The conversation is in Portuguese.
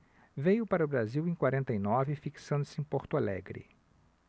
veio para o brasil em quarenta e nove fixando-se em porto alegre